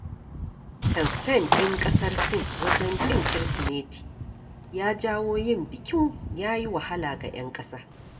Kamfen ɗin ƙasar Sin wajen ƙin Kirsimeti ya jawo yin bikin ya yi wahala ga 'yan ƙasa